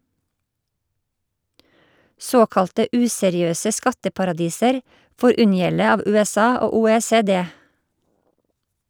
Såkalte useriøse skatteparadiser får unngjelde av USA og OECD.